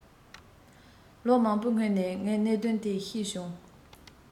ལོ མང པོའི སྔོན ནས ངས གནད དོན དེ ཤེས བྱུང